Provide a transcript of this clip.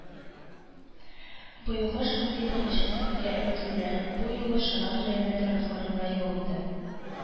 Быелгы шундый беренче сәфәргә өметлеләр бу юлы Шаран районы тарафларына юлланды